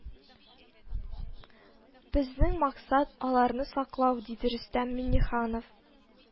Безнең максат аларны саклау, диде Рөстәм Миңнеханов